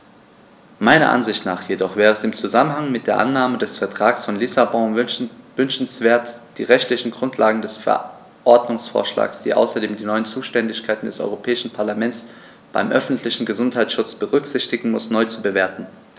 Meiner Ansicht nach jedoch wäre es im Zusammenhang mit der Annahme des Vertrags von Lissabon wünschenswert, die rechtliche Grundlage des Verordnungsvorschlags, die außerdem die neuen Zuständigkeiten des Europäischen Parlaments beim öffentlichen Gesundheitsschutz berücksichtigen muss, neu zu bewerten.